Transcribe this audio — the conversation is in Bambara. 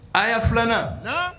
A'a filananna